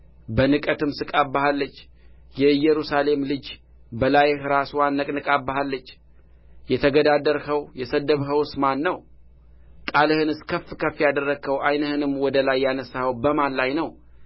በንቀትም ስቃብሃለች የኢየሩሳሌም ልጅ በላይህ ራስዋን ነቅንቃብሃለች የተገዳደርኸው የሰደብኸውስ ማን ነው ቃልህንስ ከፍ ከፍ ያደረግኸው ዓይንህንም ወደ ላይ ያነሣኸው በማን ላይ ነው